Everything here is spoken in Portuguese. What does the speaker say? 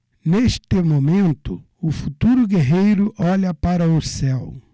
neste momento o futuro guerreiro olha para o céu